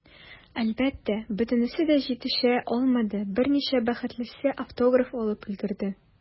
Әлбәттә, бөтенесе дә җитешә алмады, берничә бәхетлесе автограф алып өлгерде.